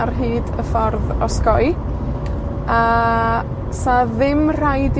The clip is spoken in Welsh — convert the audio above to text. ar hyd y ffordd osgoi. A 'sa ddim rhaid i